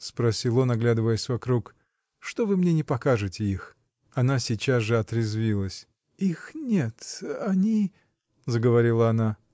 — спросил он, оглядываясь вокруг. — Что вы мне не покажете их? Она сейчас же отрезвилась. — Их нет. они. — заговорила она.